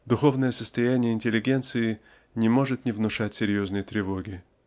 Духовное состояние интеллигенции не может не внушать серьезной тревоги.